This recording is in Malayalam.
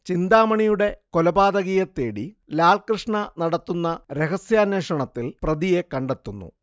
ചിന്താമണിയുടെ കൊലപാതകിയെത്തേടി ലാൽകൃഷ്ണ നടത്തുന്ന രഹസ്യാന്വേഷണത്തിൽ പ്രതിയെ കണ്ടെത്തുന്നു